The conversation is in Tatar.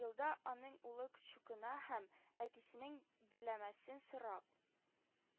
Елда аның улы чукына һәм, әтисенең биләмәсен сорап,